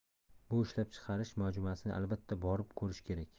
bu ishlab chiqarish majmuasini albatta borib ko'rish kerak